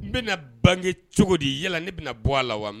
N bɛna na bange cogo di yala ne bɛna bɔ a la wa